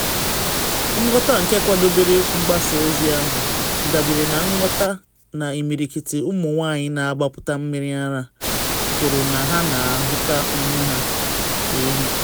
Nghọta nke kwadobere mgbasa ozi ahụ dabere na nghọta na imirikiti ụmụ nwanyị na agbapụta mmiri ara kwuru na ha na ahụta onwe ha ka ehi.